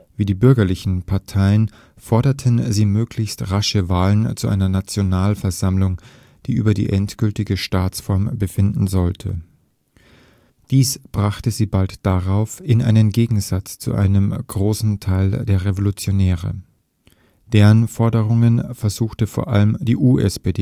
Wie die bürgerlichen Parteien forderten sie möglichst rasche Wahlen zu einer Nationalversammlung, die über die endgültige Staatsform befinden sollte. Dies brachte sie bald darauf in einen Gegensatz zu einem großen Teil der Revolutionäre. Deren Forderungen versuchte vor allem die USPD